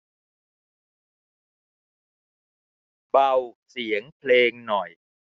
เบาเสียงเพลงหน่อย